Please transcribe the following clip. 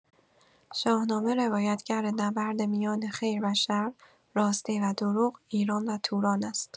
شاهنامه روایتگر نبرد میان خیر و شر، راستی و دروغ، ایران و توران است.